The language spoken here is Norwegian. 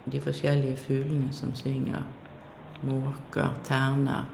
De forskjellige fuglene som synger, måker, terner.